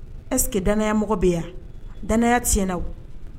Ɛseke daya mɔgɔ bɛ yan daya tiɲɛna